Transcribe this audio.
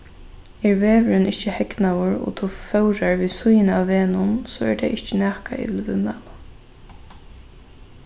er vegurin ikki hegnaður og tú fóðrar við síðuna av vegnum so er tað ikki nakað eg vil viðmæla